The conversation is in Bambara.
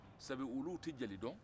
sabu olu tɛ jeli don